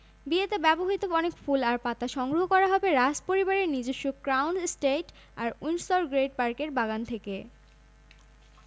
বেলা সাড়ে ১১টার কিছু আগে থেকে তাঁরা আসতে শুরু করবেন তাঁদের মধ্যে কেউ গাড়িতে চড়ে কেউ আবার হেঁটেই সেখানে উপস্থিত হবেন মেগানের মা ডোরিয়া রাগল্যান্ড